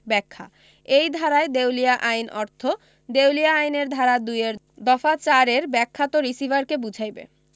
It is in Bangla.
ব্যাখ্যা এই ধারায় দেউলিয়া আইন অর্থ দেউলিয়া আইনের ধারা ২ এর দফা ৪ এর ব্যাখ্যাত রিসিভারকে বুঝাইবে